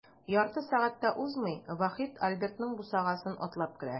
Ярты сәгать тә узмый, Вахит Альбертның бусагасын атлап керә.